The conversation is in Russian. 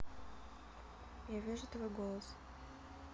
я вижу твой голос